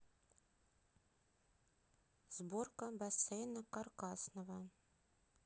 сборка бассейна каркасного